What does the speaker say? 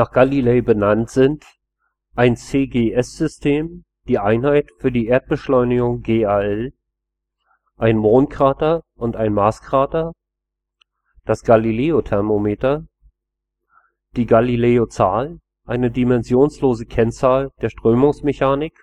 Galilei benannt sind: im cgs-System die Einheit für die Erdbeschleunigung Gal ein Mondkrater und ein Marskrater; das Galileo-Thermometer die Galilei-Zahl, eine dimensionslose Kennzahl der Strömungsmechanik